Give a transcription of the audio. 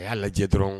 A y'a lajɛ dɔrɔn